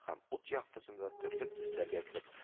Һәм ут яктысында төрле төсләргә кереп